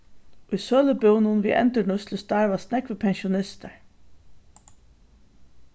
í sølubúðunum við endurnýtslu starvast nógvir pensjonistar